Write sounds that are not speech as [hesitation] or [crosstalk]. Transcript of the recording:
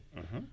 [hesitation] [hesitation]